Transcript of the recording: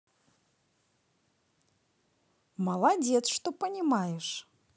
молодец что понимаешь